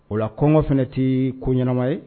O la kɔngɔ fana tɛ ko ɲɛnama ye